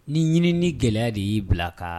Ni ɲini ni gɛlɛya de y'i bilaka